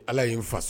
Ala y ye' n fa